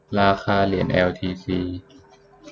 ราคาเหรียญไลท์คอยน์